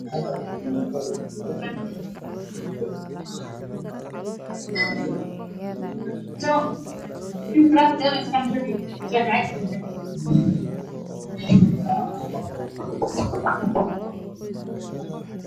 Waa wiilal yar yar iyo nin ninka wuxuu gacanta ku hayaa calanka Soomaaliya